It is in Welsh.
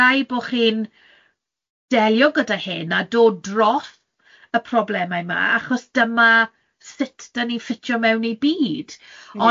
raid bo' chi'n delio gyda hyn a dod dros y problemau yma, achos dyma sut 'dan ni'n ffitio mewn i byd... Ie